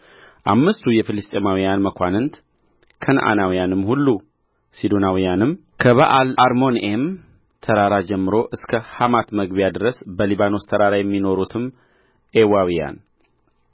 አምስቱ የፍልስጥኤማውያን መኳንንት ከነዓናውያንም ሁሉ ሲዶናውያንም ከበኣልአርሞንዔም ተራራ ጀምሮ እስከ ሐማት መግቢያ ድረስ በሊባኖስ ተራራ የሚኖሩትም ኤዊያውያን